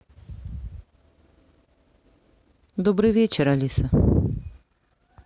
добрый вечер алиса